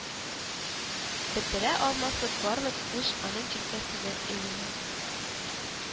Бетерә алмаслык барлык эш аның җилкәсенә өелә